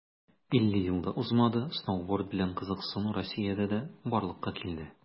50 ел да узмады, сноуборд белән кызыксыну россиядә дә барлыкка килде.